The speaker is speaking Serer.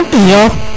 iyo